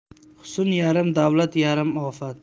husn yarim davlat yarim ofat